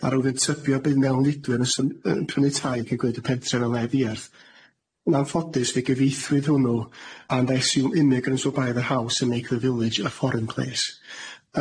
a rwyf yn tybio y bydd mewnfudwyr yn sym- yn prynu tai ag yn gwneud y pentre yn y le diarth.' Yn anffodus fe gyfieithwyd hwnnw 'and I assume immigrants will buy the house and make the village a foreign place.'